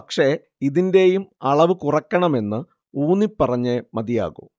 പക്ഷെ ഇതിന്റെയും അളവ് കുറക്കണമെന്ന് ഊന്നി പറഞ്ഞേ മതിയാകൂ